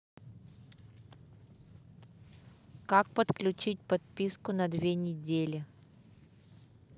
как подключить подписку на две недели